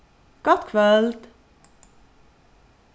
gott kvøld